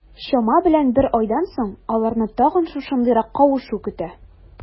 Чама белән бер айдан соң, аларны тагын шушындыйрак кавышу көтә.